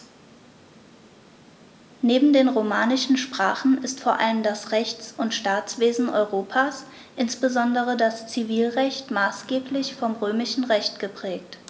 Neben den romanischen Sprachen ist vor allem das Rechts- und Staatswesen Europas, insbesondere das Zivilrecht, maßgeblich vom Römischen Recht geprägt.